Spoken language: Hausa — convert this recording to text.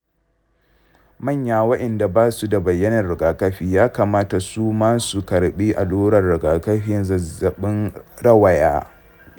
manya waɗanda ba su da bayanan rigakafi ya kamata su ma su karɓi allurar rigakafin zazzabin rawaya.